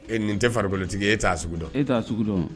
Ee nin tɛ farikolobolotigi e t' a dɔn e t' sugu dɔn